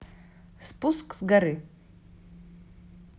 спуск с горы